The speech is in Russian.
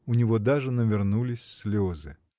У него даже навернулись слезы.